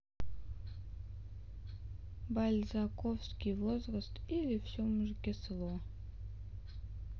бальзаковский возраст или все мужики сво